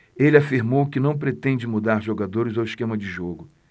ele afirmou que não pretende mudar jogadores ou esquema de jogo